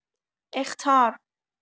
اخطار